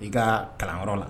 I ka kalanyɔrɔ la.